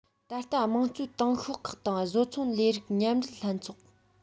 ད ལྟ དམངས གཙོའི ཏང ཤོག ཁག དང བཟོ ཚོང ལས རིགས མཉམ འབྲེལ ལྷན ཚོགས